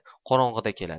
qorong'ida keladi